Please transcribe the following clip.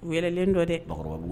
U yɛrɛlen dɔ tɛ cɛkɔrɔbakɔrɔbabugu